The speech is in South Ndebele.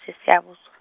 seSiyabuswa.